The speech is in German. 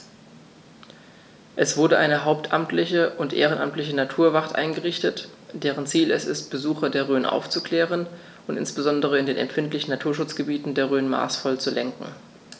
Es wurde eine hauptamtliche und ehrenamtliche Naturwacht eingerichtet, deren Ziel es ist, Besucher der Rhön aufzuklären und insbesondere in den empfindlichen Naturschutzgebieten der Rhön maßvoll zu lenken.